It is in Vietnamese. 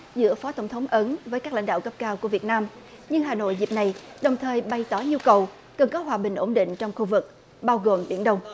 giữa phó tổng thống ấn với các lãnh đạo cấp cao của việt nam nhưng hà nội dịp này đồng thời bày tỏ nhu cầu cần có hòa bình ổn định trong khu vực bao gồm biển đông